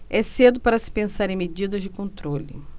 é cedo para se pensar em medidas de controle